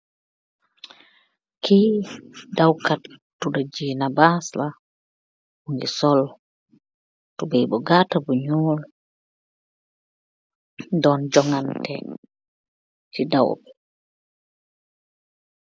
Ki daaw kat bu toda Gina Bass la mogi sool tubay bu gata bu nuul doon joganteh si daaw bi.